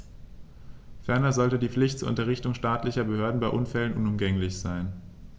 Ferner sollte die Pflicht zur Unterrichtung staatlicher Behörden bei Unfällen unumgänglich sein.